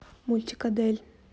мультик адель